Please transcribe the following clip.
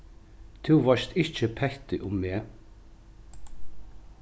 tú veitst ikki petti um meg